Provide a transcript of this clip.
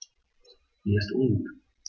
Mir ist ungut.